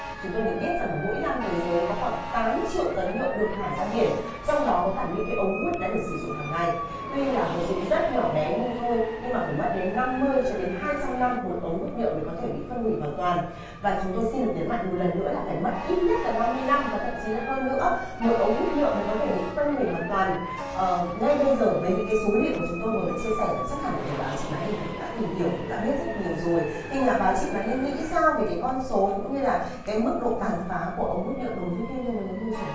chúng tôi được biết rằng ở mỗi năm thế giới có khoảng tám triệu tấn nhựa được thải ra biển trong đó có cả những cái ống hút đã được sử dụng hằng ngày tuy là vật dụng rất nhỏ bé nhưng thôi nhưng mà phải mất đến năm mươi cho đến hai trăm năm một ống hút nhựa mới có thể bị phân hủy hoàn toàn và chúng tôi xin được nhấn mạnh một lần nữa là phải mất ít nhất là năm mươi năm và thậm chí là hơn nữa một ống hút nhựa mới có thể bị phân hủy hoàn toàn ở ngay bây giờ với những cái số liệu mà chúng tôi vừa mới chia sẻ và chắc hẳn là nhà báo trịnh bá ninh thì cũng đã tìm hiểu cũng đã biết rất nhiều rồi nhà báo trịnh bá ninh nghĩ sao về con số cũng như là cái mức độ tàn phá của ống hút nhựa đối với thiên nhiên đối với môi trường